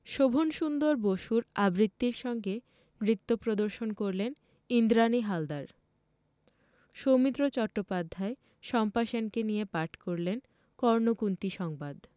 শোভনসুন্দর বসুর আবৃত্তীর সঙ্গে নৃত্য প্রদর্শন করলেন ইন্দ্রাণী হালদার সৌমিত্র চট্টোপাধ্যায় শম্পা সেনকে নিয়ে পাঠ করলেন কর্ণ কূন্তি সংবাদ